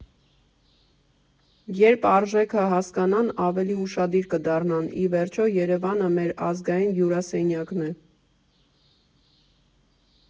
Երբ արժեքը հասկանան, ավելի ուշադիր կդառնան, ի վերջո, Երևանը մեր ազգային հյուրասենյակն է։